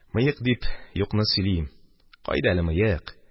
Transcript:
Мыек дип юкны сөйлим, кайда әле мыек.